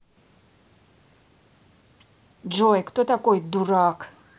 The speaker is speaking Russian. джой кто такой дурак